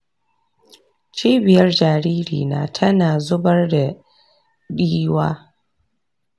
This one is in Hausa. cibiyar jaririna tana zubar da ɗiwa.